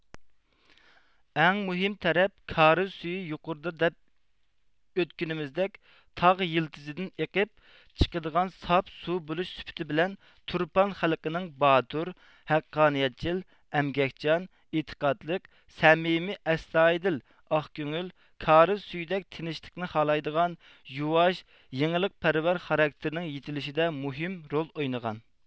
ئەڭ مۇھىم تەرەپ كارىز سۈيى يۇقۇرىدا دەپ ئۆتكىنىمىزدەك تاغ يىلتىزىدىن ئېقىپ چىقىدىغان ساپ سۇ بولۇش سۈپىتى بىلەن تۇرپان خەلقىنىڭ باتۇر ھەققانىيەتچىل ئەمگەكچان ئېتىقادلىق سەمىمىي ئەستايىدىل ئاقكۆڭۈل كارىز سۈيىدەك تىنىچلىقنى خالايدىغان يۇۋاش يېڭىلىقپەرۋەر خاراكتىرىنىڭ يېتىلىشىدە مۇھىم رول ئوينىغان